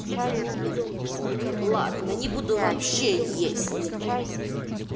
ладно не буду вообще есть